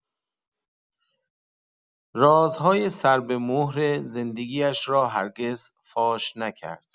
رازهای سربه‌مهر زندگی‌اش را هرگز فاش نکرد.